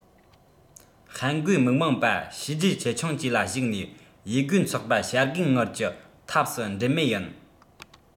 ཧན གོའི མིག མངས པ བྱས རྗེས ཆེ ཆུང བཅས ལ གཞིགས ནས དབྱེ བགོས ཚོགས པ བྱ དགའི དངུལ གྱི ཐབས སུ འགྲན མེད ཡིན